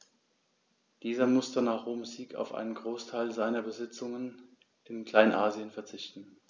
Dieser musste nach Roms Sieg auf einen Großteil seiner Besitzungen in Kleinasien verzichten.